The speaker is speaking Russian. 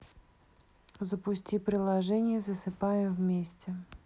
запусти приложение засыпаем вместе